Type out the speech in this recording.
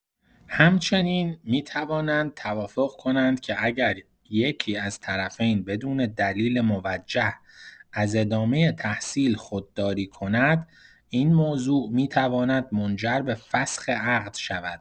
همچنین، می‌توانند توافق کنند که اگر یکی‌از طرفین بدون دلیل موجه از ادامه تحصیل خودداری کند، این موضوع می‌تواند منجر به فسخ عقد شود.